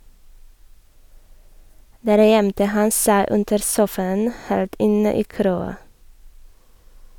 Der gjemte han seg under sofaen, helt inne i kråa.